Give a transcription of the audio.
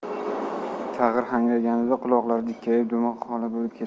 tag'in har hangraganda quloqlari dikkayib dumi xoda bo'lib ketadi